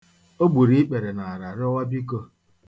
O gburu ikpere n'ala rịọwa biko.